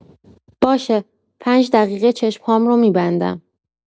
باشه، پنج دقیقه چشم‌هام رو می‌بندم.